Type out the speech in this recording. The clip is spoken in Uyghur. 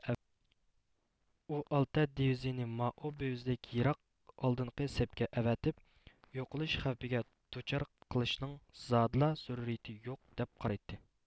ئۇ ئالتە دېۋىزىيىنى مائۇبىۋژىدەك يىراق ئالدىنقى سەپكە ئەۋەتىپ يوقىلىش خەۋپىگە دۇچار قىلىشنىڭ زادىلا زۆرۈرىيىتى يوق دەپ قارايتتى